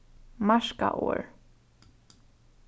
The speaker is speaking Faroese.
marka orð